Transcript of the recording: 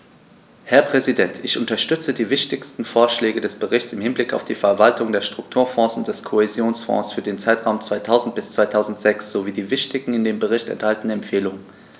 Herr Präsident, ich unterstütze die wichtigsten Vorschläge des Berichts im Hinblick auf die Verwaltung der Strukturfonds und des Kohäsionsfonds für den Zeitraum 2000-2006 sowie die wichtigsten in dem Bericht enthaltenen Empfehlungen.